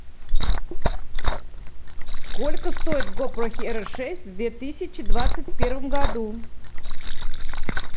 сколько стоит gopro hero шесть в две тысячи двадцать первом году